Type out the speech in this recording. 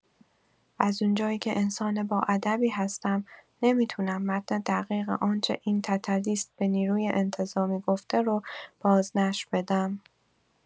از اونجایی که انسان باادبی هستم، نمی‌تونم متن دقیق آنچه این تتلیست به نیروی انتظامی گفته رو بازنشر بدم.